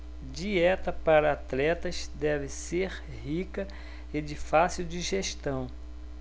dieta para atletas deve ser rica e de fácil digestão